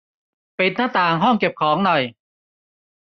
ปิดหน้าต่างห้องเก็บของหน่อย